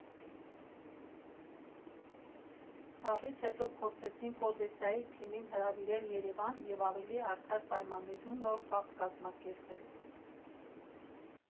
Խաղից հետո փորձեցինք Օդեսայի թիմին հրավիրել Երևան և ավելի արդար պայմաններում նոր խաղ կազմակերպել։